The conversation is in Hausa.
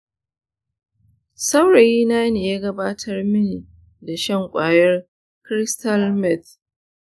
saurayina ne ya gabatar mini da shan ƙwayar crystal meth.